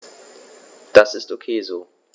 Das ist ok so.